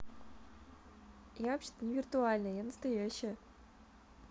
я вообще то не виртуальная я настоящая